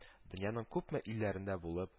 Дөньяның күпме илләрендә булып